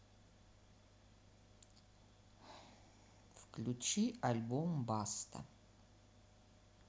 включи альбом баста